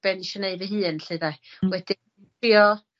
be' nesh i neud fy hun 'lly 'de? Wedyn trio